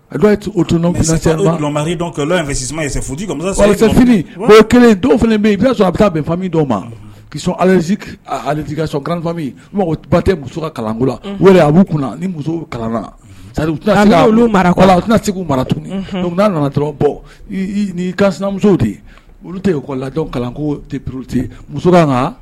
A bɛ ma ka kalankola a ni kalan tɛna se tuguni'a nana dɔrɔn bɔ sinamuso de olu tɛkɔla kalanko porote